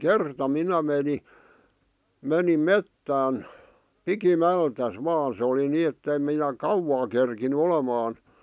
kerta minä menin menin metsään pikimmältään vain se oli niin että en minä kauaa kerinnyt olemaan